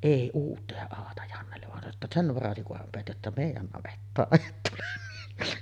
ei uuta ei aata Jannelle vaan sanoi jotta sen varasi kunhan pidät jotta meidän navettaan et tule